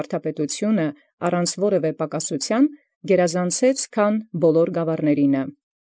Վարդապետութիւնն, ոչինչ պակասութեամբ, քան զայլոցն գաւառաց անցուցեալ։